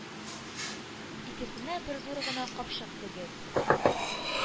Икесенә бер зур гына капчык тегеп,